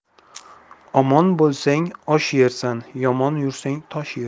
omon bo'lsang osh yersan yomon yursang tosh yersan